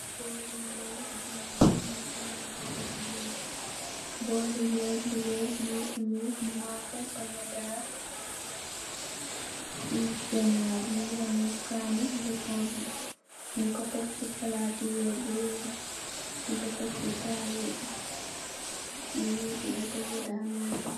Boeli werr bu nuul muge ameh malou bu weex boeli werr bu weex muge ameh mafeh domoda ey ganar muge ameh kane bu hauha nugku tek se palate werr bu weex nugku tek se taabul le mu tuda domoda mafeh.